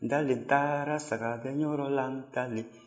ntalen taara sagagɛnyɔrɔ la ntalen